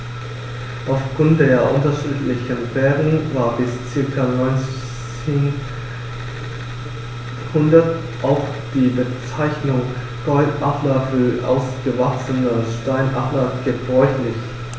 Auf Grund der unterschiedlichen Färbung war bis ca. 1900 auch die Bezeichnung Goldadler für ausgewachsene Steinadler gebräuchlich.